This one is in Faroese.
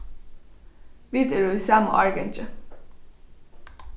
vit eru í sama árgangi